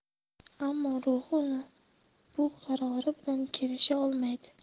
ammo ruhi uning bu qarori bilan kelisha olmaydi